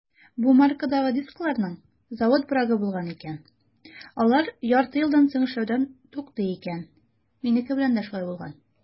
Бу маркадагы дискларның завод брагы булган икән - алар ярты елдан соң эшләүдән туктый икән; минеке белән дә шулай булган.